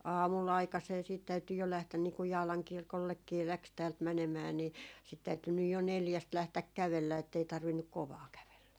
aamulla aikaiseen sitten täytyi jo lähteä niin kun Jaalan kirkollekin lähti täältä menemään niin sitten täytyi nyt jo neljästä lähteä kävellä että ei tarvinnut kovaa kävellä